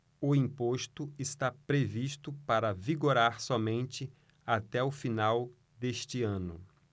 o imposto está previsto para vigorar somente até o final deste ano